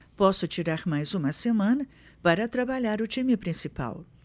posso tirar mais uma semana para trabalhar o time principal